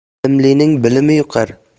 bilimlining bilimi yuqar